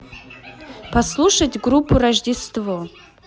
послушать группу рождество